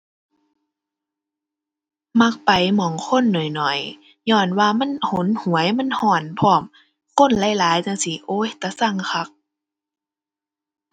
มักไปหม้องคนน้อยน้อย ญ้อนว่ามันหนหวย มันร้อนพร้อม คนหลายหลายจั่งซี้ โอ้ย ตาซังคัก